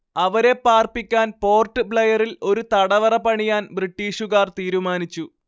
അവരെ പാർപ്പിക്കാൻ പോർട്ട് ബ്ലെയറിൽ ഒരു തടവറ പണിയാൻ ബ്രിട്ടീഷുകാർ തീരുമാനിച്ചു